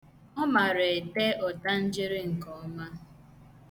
Ọ mara ete ọtangere nke ọma.